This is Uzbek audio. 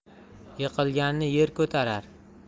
yiqilganni yer ko'tarar